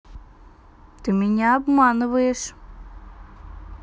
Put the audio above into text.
ты меня обманываешь